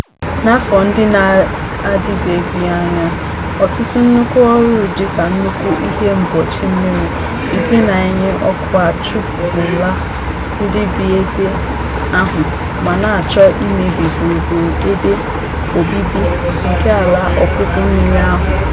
N'afọ ndị na-adịbeghị anya, ọtụtụ nnukwu ọrụ dịka nnukwu ihe mgbochi mmiri nke na-enye ọkụ achụpụla ndị bi ebe ahụ ma na-achọ imebi gburugburu ebe obibi nke ala ọpụpụ mmiri ahụ.